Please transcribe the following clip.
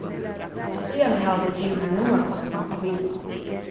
síðani hava tey givið mær nummarplátuna á bilinum